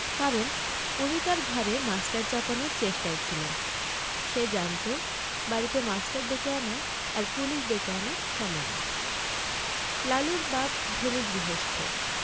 কারণ উনি তার ঘাড়ে মাস্টার চাপানোর চেষ্টায় ছিলেন সে জানত বাড়িতে মাস্টার ডেকে আনা আর পুলিশ ডেকে আনা সমান লালুর বাপ ধনী গৃহস্থ